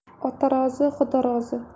ota rozi xudo rozi